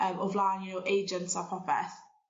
yym o flaen you know agents a popeth